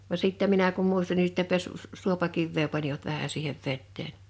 vaan sitten minä kun muistan niin sitten -- suopakiveä panivat vähän siihen veteen